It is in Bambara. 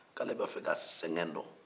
k'ale b'a fɛ ka sɛgen dɔn